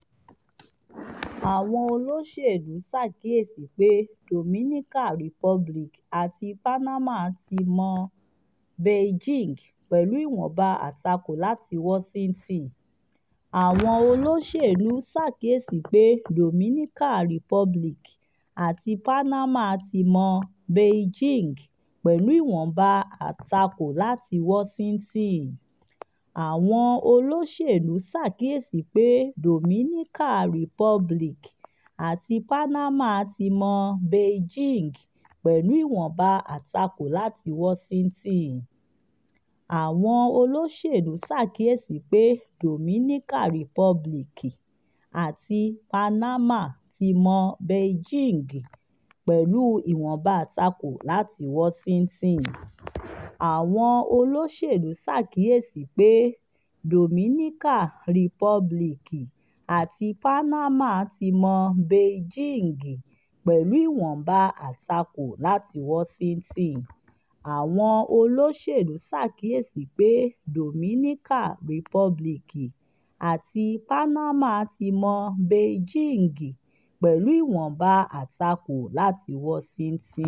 Àwọn olóṣèlú ṣàkíyèsí pé Dominican Republic àti Panama ti mọ Beijing, pẹ̀lú ìwọ̀nba àtakò láti Washington.